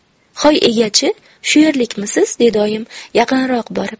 hoy egachi shu yerlikmisiz dedi oyim yaqinroq borib